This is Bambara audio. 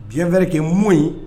Bien vrai que mot in